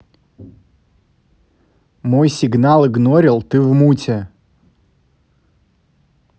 мой сигнал игнорил ты в муте